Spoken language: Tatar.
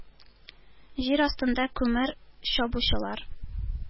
Җир астында күмер чабучылар,